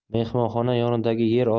mehmonxona yonidagi yer